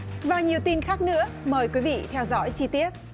và nhiều tin khác nữa mời quý vị theo dõi chi tiết